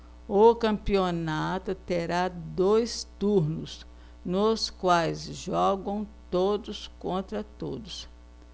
o campeonato terá dois turnos nos quais jogam todos contra todos